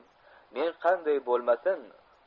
men qanday bo'lmasin